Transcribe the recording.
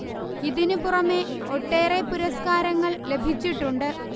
ഇതിനു പുറമെ ഒട്ടേറെ പുരസ്കാരങ്ങൾ ലഭിച്ചിട്ടുണ്ട്